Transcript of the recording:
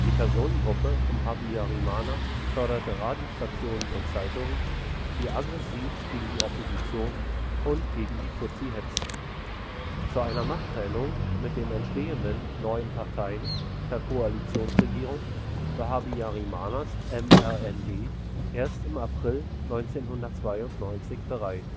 Personengruppe um Habyarimana förderte Radiostationen und Zeitungen, die aggressiv gegen die Opposition und gegen die Tutsi hetzten. Zu einer Machtteilung mit den entstehenden neuen Parteien per Koalitionsregierung war Habyarimanas MRND erst im April 1992 bereit